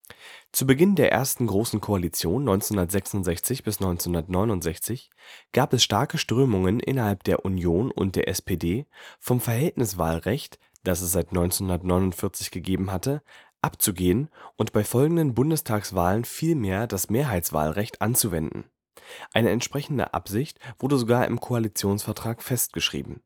Zu Beginn der ersten Großen Koalition (1966 – 1969) gab es starke Strömungen innerhalb der Union und der SPD, vom Verhältniswahlrecht, das es seit 1949 gegeben hatte, abzugehen und bei folgenden Bundestagswahlen vielmehr das Mehrheitswahlrecht anzuwenden. Eine entsprechende Absicht wurde sogar im Koalitionsvertrag festgeschrieben